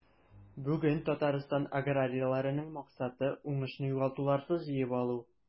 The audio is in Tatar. Бүген Татарстан аграрийларының максаты – уңышны югалтуларсыз җыеп алу.